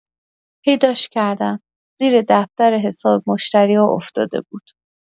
پیداش کردم، زیر دفتر حساب مشتری‌ها افتاده بود.